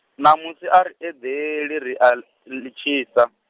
ṋamusi ari edeḽi ri ali tshisa.